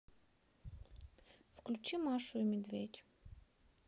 включи машу и медведь